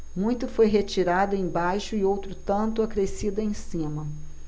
muito foi retirado embaixo e outro tanto acrescido em cima